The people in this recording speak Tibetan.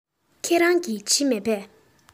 ཁྱེད རང གིས བྲིས མེད པས